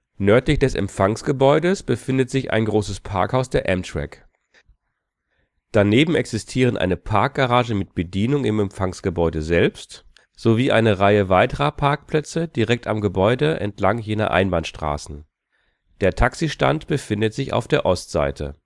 Nördlich des Empfangsgebäudes befindet sich ein großes Parkhaus der Amtrak. Daneben existieren eine Parkgarage mit Bedienung (valet parking) im Empfangsgebäude selbst sowie eine Reihe weiterer Parkplätze direkt am Gebäude entlang jener Einbahnstraßen. Der Taxistand befindet sich auf der Ostseite